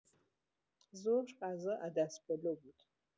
ظهر غذا عدس‌پلو بود.